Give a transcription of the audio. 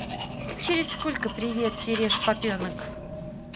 через сколько привет сереж попенок